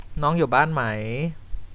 น้องอยู่บ้านไหม